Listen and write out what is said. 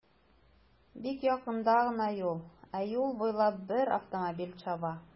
Бик якында гына юл, ә юл буйлап бер автомобиль чаба.